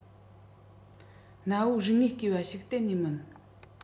གནའ བོའི རིག དངོས རྐུས བ ཞིག གཏན ནས མིན